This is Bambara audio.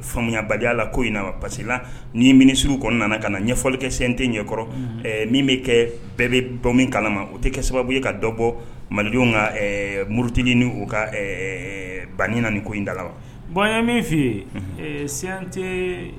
faamuyayabaliya la ko in na parce que la ni miniuru kɔnɔna nana ka na ɲɛfɔlikɛte ɲɛkɔrɔ min bɛ kɛ bɛɛ bɛ bɔ min kalama o tɛ kɛ sababu ye ka dɔ bɔ malidenw ka murutieli ka ban na ni ko inda bonya min fɛ yente